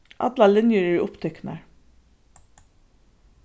allar linjur eru upptiknar